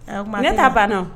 Ma ne taa banna